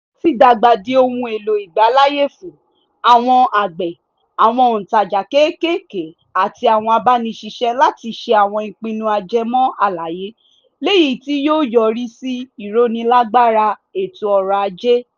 Ó ti dàgbà di ohun èlò ìgbàláàyè fún, àwọn àgbẹ̀, àwọn òǹtajà kéékèèké àti àwọn abániṣiṣẹ́ láti ṣe àwọn ìpinnu ajẹmọ́ - àlàyé, lèyìí tí yóò yọrí sí ìrónilágbára ètò ọrọ̀ ajé.